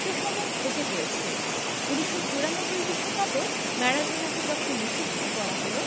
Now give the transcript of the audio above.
সে সময় খুঁজে পেয়েছি ১৯৯৪ বিশ্বকাপে ম্যারাডোনাকে যখন নিষিদ্ধ করা হলো